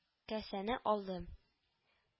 Касәне алды